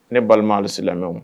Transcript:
Ne balima al silamɛw.